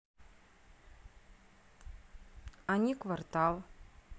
они квартал